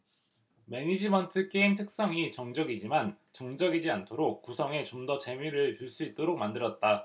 매니지먼트 게임 특성이 정적이지만 정적이지 않도록 구성해 좀 더 재미를 줄 수 있도록 만들었다